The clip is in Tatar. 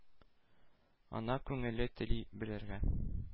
Ана күңеле тели белергә: